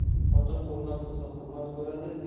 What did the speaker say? xotin hurmat qilsa hurmat ko'radi